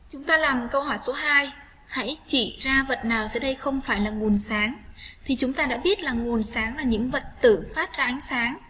chúng ta làm câu hỏi số hãy chỉ ra vật nào dưới đây không phải là nguồn sáng thì chúng ta đã biết là nguồn sáng là những vật tử phát ra ánh sáng